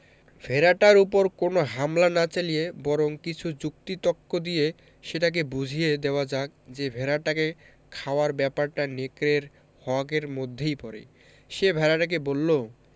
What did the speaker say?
ভেড়াটার উপর কোন হামলা না চালিয়ে বরং কিছু যুক্তি তক্ক দিয়ে সেটাকে বুঝিয়ে দেওয়া যাক যে ভেড়াটাকে খাওয়ার ব্যাপারটা নেকড়ের হক এর মধ্যেই পড়ে সে ভেড়াটাকে বলল